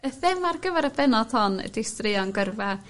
Y thema ar gyfar y bennod hon ydi straeon gyrfa.